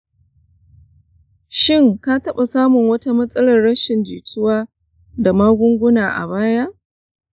shin ka taɓa samun wata matsalar rashin jituwa da magunguna a baya?